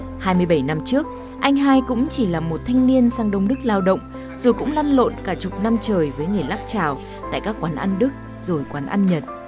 hai mươi bảy năm trước anh hai cũng chỉ là một thanh niên sang đông đức lao động dù cũng lăn lộn cả chục năm trời với người lắc chào tại các quán ăn đức rồi quán ăn nhật